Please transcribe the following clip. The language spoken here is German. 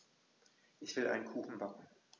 Ich will einen Kuchen backen.